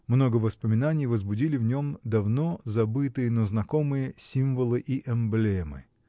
много воспоминаний возбудили в нем давно забытые, но знакомые "Символы и эмблемы".